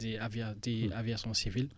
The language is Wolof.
di di aviation civile